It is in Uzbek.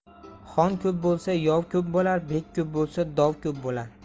xon ko'p bo'lsa yov ko'p bo'lar bek ko'p bo'lsa dov ko'p bo'lar